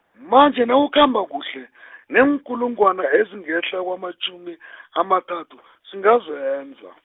manje nakukhambe kuhle , neenkulungwana ezingehla kwamatjhumi , amathathu, singazenza.